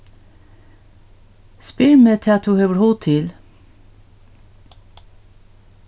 spyr meg tað tú hevur hug til